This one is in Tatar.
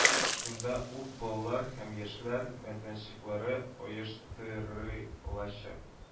Шунда ук балалар һәм яшьләр мәйданчыклары оештыры лачак